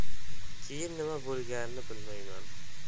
keyin nima bo'lganini bilmayman